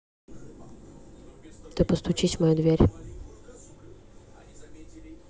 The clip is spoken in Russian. ты постучись в мою дверь